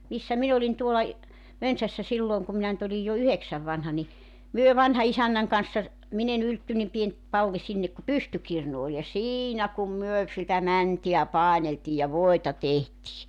missä minä olin tuolla - Mönsässä silloin kun minä nyt olin jo yhdeksän vanha niin me vanhanisännän kanssa minä en - niin pieni palli sinne kun pystykirnu oli ja siinä kun me sitä mäntää paineltiin ja voita tehtiin